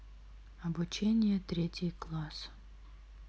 обучение третий класс